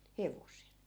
hevosella